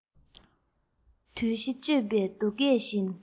དུས བཞི གཅོད པའི རྡོ སྐས བཞིན